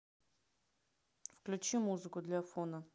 включи музыку для фона